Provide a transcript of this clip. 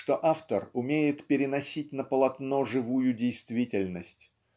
что автор умеет переносить на полотно живую действительность